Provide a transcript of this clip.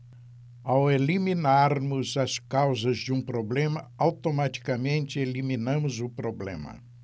ao eliminarmos as causas de um problema automaticamente eliminamos o problema